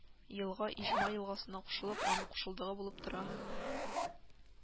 Елга Ижма елгасына кушылып, аның кушылдыгы булып тора